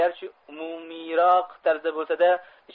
garchi umumiyroq tarzda bo'lsa da